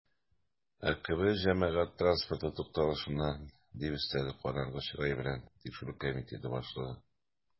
"ркб җәмәгать транспорты тукталышыннан", - дип өстәде караңгы чырай белән тикшерү комитеты башлыгы.